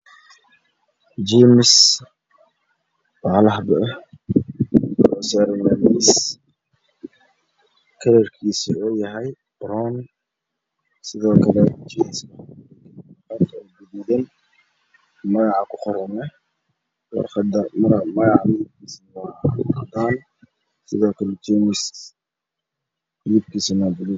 Waa jeemis hal xabo ah oo saaran miis kalarkiisu waa baroon, waxaa kudhagan waraaqad cadaan ah magaca kuqoran waa qoraal cadaan ah, jeemiska waa buluug.